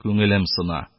Күңелем сына